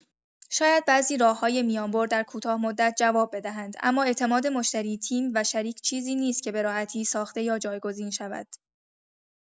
شاید بعضی راه‌های میان‌بر در کوتاه‌مدت جواب بدهند، اما اعتماد مشتری، تیم و شریک چیزی نیست که به‌راحتی ساخته یا جایگزین شود.